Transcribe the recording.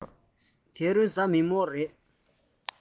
དེ རིང གཟའ མིག དམར རེད